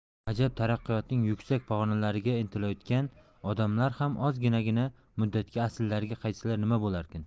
ajab taraqqiyotning yuksak pog'onalariga intilayotgan odamlar ham ozginagina muddatga asllariga qaytsalar nima bo'larkin